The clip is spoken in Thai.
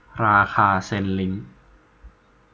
ราคาเชนลิ้ง